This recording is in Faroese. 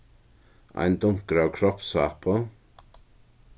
ein dunkur av kropssápu